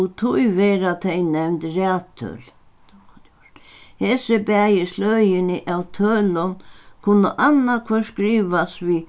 og tí verða tey nevnd raðtøl tað havi eg ongantíð hoyrt hesi bæði sløgini av tølum kunnu annaðhvørt skrivast við